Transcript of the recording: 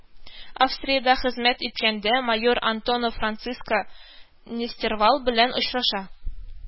Австриядә хезмәт иткәндә майор Антонов Франциска Нестервал белән очраша